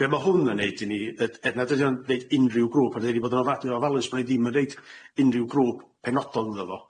Be' ma' hwn yn neud i ni yy er na dydi o'n ddeud unrhyw grŵp a ddeud i fod yn ofadwy ofalus bo' ni ddim yn deud unrhyw grŵp penodol iddo fo.